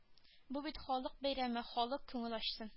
Бу бит халык бәйрәме халык күңел ачсын